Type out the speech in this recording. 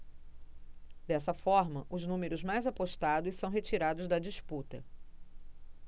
dessa forma os números mais apostados são retirados da disputa